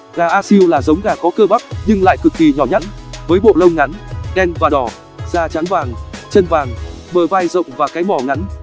gà asil là giống gà có cơ bắp nhưng lại cực kỳ nhỏ nhắn với bộ lông ngắn đen và đỏ da trắng vàng chân vàng bờ vai rộng và cái mỏ ngắn